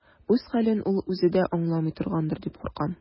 Үз хәлен ул үзе дә аңламый торгандыр дип куркам.